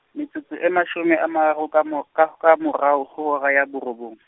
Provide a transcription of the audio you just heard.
metsotso e mashome a mararo ka mo-, ka, ka morao, ho hora ya borobong.